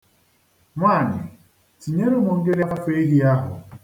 Nwaanyị, tinyere m ngịlịafọ ehi ahụ.